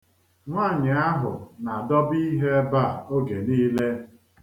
Nwaanyị ahụ na-adọba ihe ebe a oge niile.